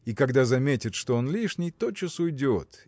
и когда заметит, что он лишний, тотчас уйдет